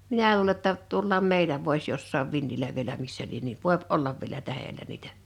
minä luulen jotta tuollakin meillä voisi jossakin vintillä vielä missä lie niin voi olla vielä tähdellä niitä